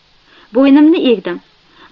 bo'ynimni egdim